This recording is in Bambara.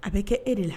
A bɛ kɛ e de la